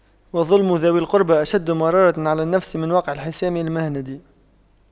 وَظُلْمُ ذوي القربى أشد مرارة على النفس من وقع الحسام المهند